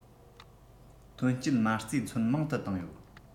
ཐོན སྐྱེད མ རྩའི མཚོན མང དུ བཏང ཡོད